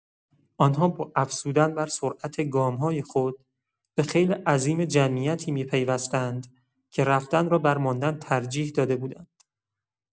آن‌ها با افزودن بر سرعت گام‌های خود، به خیل عظیم جمعیتی می‌پیوستند که رفتن را بر ماندن ترجیح داده بودند.